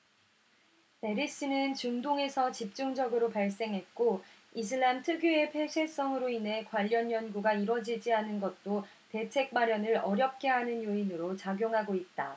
메르스는 중동에서 집중적으로 발생했고 이슬람 특유의 폐쇄성으로 인해 관련 연구가 이뤄지지 않은 것도 대책 마련을 어렵게 하는 요인으로 작용하고 있다